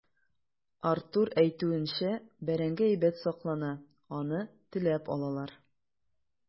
Артур әйтүенчә, бәрәңге әйбәт саклана, аны теләп алалар.